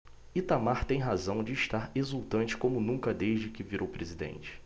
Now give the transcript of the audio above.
itamar tem razão de estar exultante como nunca desde que virou presidente